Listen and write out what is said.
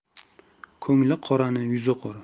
ko'ngli qoraning yuzi qora